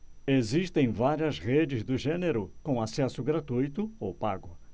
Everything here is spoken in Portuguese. existem várias redes do gênero com acesso gratuito ou pago